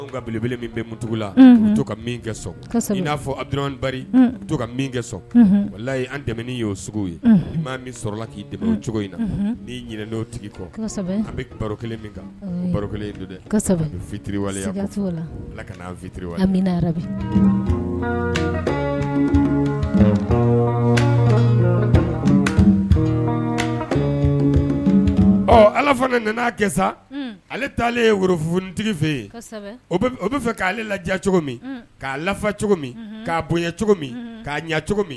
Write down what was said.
A wala an y' an ala ne nana'a ale taa ale ye worof kunnafonitigi fɛ yen o bɛ fɛ k'ale la cogo'a lafa cogo' bo cogo' ɲɛ cogo